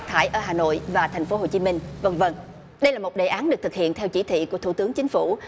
thải ở hà nội và thành phố hồ chí minh vân vân đây là một đề án được thực hiện theo chỉ thị của thủ tướng chính phủ